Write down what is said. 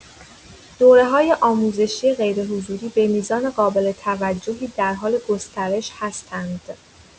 دوره‌های آموزشی غیرحضوری به میزان قابل توجهی در حال گسترش هستند.